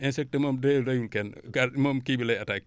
insecte moom de reyul kenn gal moom kii bi lay attaqué culture yi